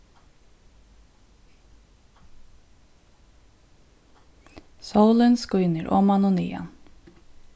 sólin skínur oman og niðan